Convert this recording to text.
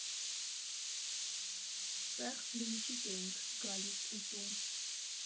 Ստեղ բլինչիկ էինք գալիս ուտում։